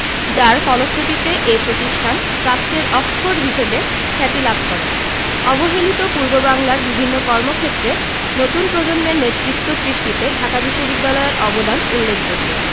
যার ফলশ্রুতিতে এ প্রতিষ্ঠান প্রাচ্যের অক্সফোর্ড হিসেবে খ্যাতি লাভ করে অবহেলিত পূর্ববাংলার বিভিন্ন কর্মক্ষেত্রে নতুন প্রজন্মের নেতৃত্ব সৃষ্টিতে ঢাকা বিশ্ববিদ্যালয়ের অবদান উল্লেখযোগ্য